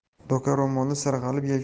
doka ro'moli sirg'alib